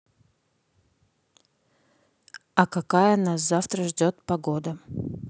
а какая нас завтра ждет погода